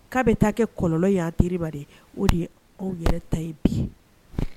K'a bɛ taa kɛ kɔlɔnlɔ teri ye o de ye anw yɛrɛ ta ye bi